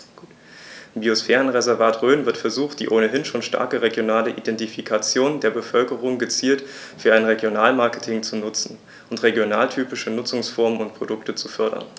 Im Biosphärenreservat Rhön wird versucht, die ohnehin schon starke regionale Identifikation der Bevölkerung gezielt für ein Regionalmarketing zu nutzen und regionaltypische Nutzungsformen und Produkte zu fördern.